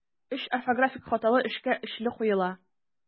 Өч орфографик хаталы эшкә өчле куела.